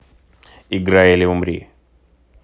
играй или умри